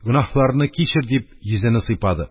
Гөнаһларыны кичер!» – дип, йөзене сыйпады.